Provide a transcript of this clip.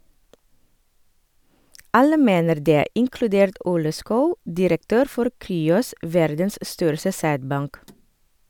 "Alle mener det, inkludert Ole Schou, direktør for Cryos, verdens største sædbank".